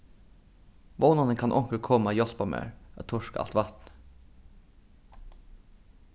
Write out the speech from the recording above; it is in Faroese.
vónandi kann onkur koma at hjálpa mær at turka alt vatnið